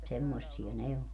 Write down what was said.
semmoisia ne on